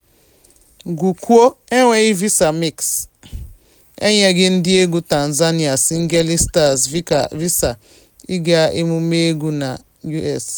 Gụkwuo: Enweghị Visa Mix: Enyeghị ndị egwu Tanzanian singeli Stars visa ị ga emume egwu na US.